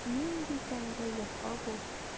Нинди тәмле йокы бу!